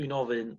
dwi'n ofyn